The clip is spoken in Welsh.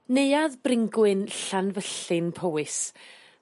Neuadd Bryngwyn Llanfyllin Powys.